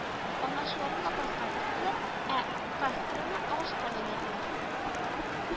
Алмачуарны лапаска керттеләр, ә Кастроны агачка бәйләделәр